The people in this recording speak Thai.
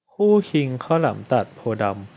คู่คิงข้าวหลามตัดโพธิ์ดำ